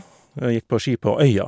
Gikk på ski på øya.